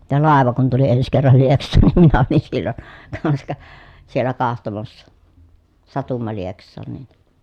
ja laiva kun tuli ensi kerran Lieksaan niin minä olin silloin kanska siellä katsomassa satuimme Lieksaan niin